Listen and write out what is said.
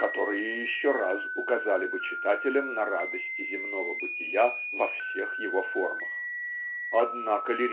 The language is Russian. которые еще раз указали бы читателям на радости земного бытия во всех его формах. Однако